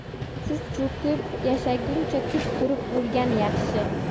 tiz cho'kib yashaguncha tik turib o'lgan yaxshi